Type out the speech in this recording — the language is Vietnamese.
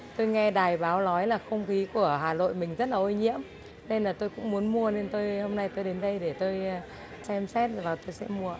tôi nghe đài báo lói là không khí của hà lội mình rất là ô nhiễm nên là tôi cũng muốn mua nên tôi hôm nay tôi đến đây để tôi xem xét và tôi sẽ mua ạ